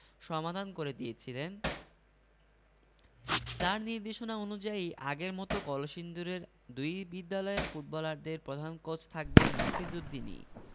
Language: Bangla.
সমাধান করে দিয়েছিলেন তাঁর নির্দেশনা অনুযায়ী আগের মতো কলসিন্দুরের দুই বিদ্যালয়ের ফুটবলারদের প্রধান কোচ থাকবেন মফিজ উদ্দিনই